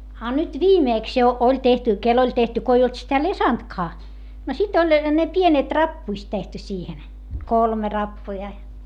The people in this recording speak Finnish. a nyt viimeksi jo oli tehty kenelle oli tehty kun ei ollut sitä lesantkaa no sitten oli ne pienet rappuset tehty siihen kolme rappua